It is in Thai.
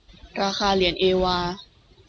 ราคาเหรียญเอวา